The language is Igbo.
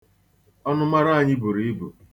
Ọnụmara anyị buru ibu.